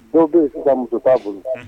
Dɔ be yen sisan muso ta bolo.